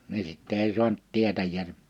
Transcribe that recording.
niin sitten ei saanut tietäjää